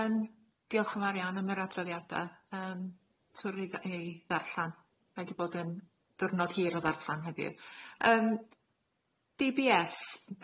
Yym diolch yn fawr iawn am yr adroddiada yym twr i dda- i ddarllan. Rhaid i bod yn diwrnod hir o ddarllan heddiw. Yym. Dee Bee Ess.